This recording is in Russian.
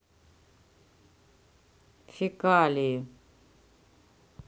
фекалии